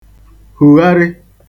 hùgharị